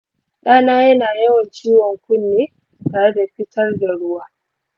ɗana yana yawan ciwon kunne tare da fitar da ruwa